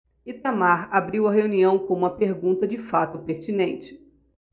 itamar abriu a reunião com uma pergunta de fato pertinente